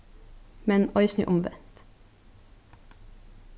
men eisini umvent